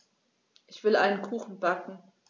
Ich will einen Kuchen backen.